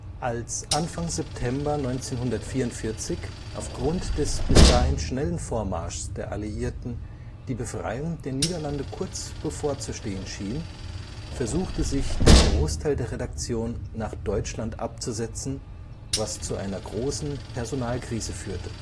Als Anfang September 1944 aufgrund des bis dahin schnellen Vormarschs der Alliierten die Befreiung der Niederlande kurz bevorzustehen schien („ Dolle Dinsdag “), versuchte sich der Großteil der Redaktion nach Deutschland abzusetzen, was zu einer großen Personalkrise führte